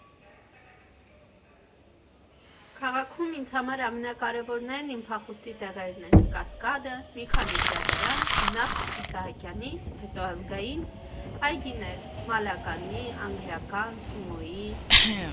Քաղաքում ինձ համար ամենակարևորներն իմ փախուստի տեղերն են՝ Կասկադը, մի քանի գրադարան, նախ՝ Իսահակյանի, հետո՝ Ազգային, այգիներ՝ մալականի, անգլիական, Թումոյի։